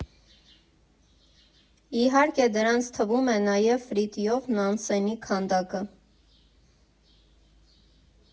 Իհարկե, դրանց թվում է նաև Ֆրիտյոֆ Նանսենի քանդակը։